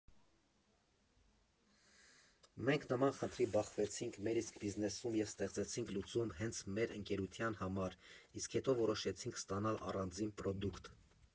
Մենք նման խնդրի բախվեցինք մեր իսկ բիզնեսում և ստեղծեցինք լուծում հենց մեր ընկերության համար, իսկ հետո որոշեցինք ստանալ առանձին պրոդուկտ։